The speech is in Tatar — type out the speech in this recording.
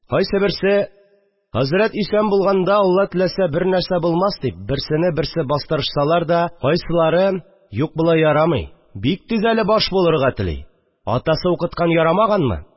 Кайсыберсе: «Хәзрәт исән булганда, Алла теләсә, бернәрсә булмас», – дип, берсене берсе бастырышсалар да, кайсылары: «Юк, болай ярамый, бик тиз әле баш булырга тели, атасы укыткан ярамаганмы